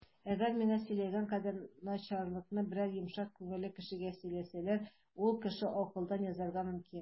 Әгәр миңа сөйләгән кадәр начарлыкны берәр йомшак күңелле кешегә сөйләсәләр, ул кеше акылдан язарга мөмкин.